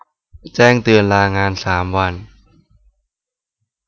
แจ้งเตือนลางานสามวัน